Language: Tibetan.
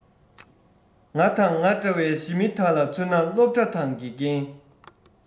ང དང ང འདྲ བའི ཞི མི དག ལ མཚོན ན སློབ གྲྭ དང དགེ རྒན